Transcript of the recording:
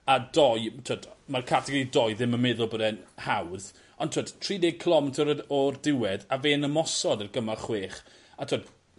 a doi t'wod ma'r categori doi ddim yn meddwl bod e'n hawdd ond t'wod tri deg cilometr o d- o'r diwedd a fe'n ymosod ar gymal chwech. A t'wod